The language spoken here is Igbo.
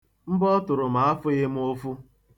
Mbọ ọ tụrụ m afụghị m ụfụ.